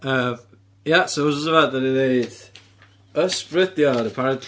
Yym. Ia, so wsos yma dani'n wneud ysbrydion apparently